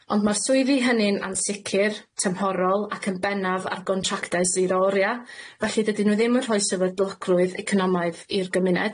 Ond ma'r swyddi hynny'n ansicir, tymhorol, ac yn bennaf ar gontractau zero oria. Felly dydyn nw ddim yn rhoi sefydlogrwydd economaidd i'r gymuned.